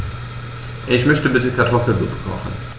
Ich möchte bitte Kartoffelsuppe kochen.